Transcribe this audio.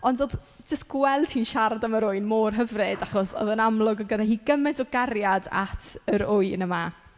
Ond oedd jyst gweld hi'n siarad am yr ŵyn mor hyfryd achos oedd e'n amlwg o' gyda hi gymaint o gariad at yr ŵyn yma.